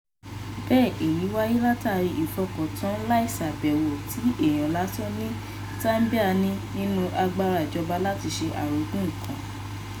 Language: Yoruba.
Bẹ́ẹ̀ èyí wáyé látààrí "ìfọkàntán láìṣàbẹ̀wò" tí èèyàn lásán ní Zambia ní nínú agbára ìjọba láti ṣe àrògùn nǹkan.